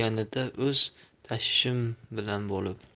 o'z tashvishim bilan bo'lib